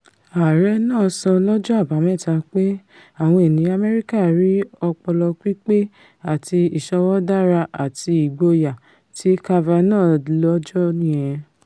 Ààrẹ náà sọ lọ́jọ́ Àbámẹ́ta pé ''Àwọn ènìyàn Amẹ́ríkà rí ọpọlọ pípé àti ìsọwọ́dára àti ìgboyà'' ti Kavanaugh lọ́jọ́ yẹn.